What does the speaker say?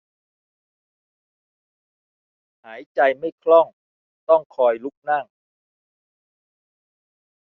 หายใจไม่คล่องต้องคอยลุกนั่ง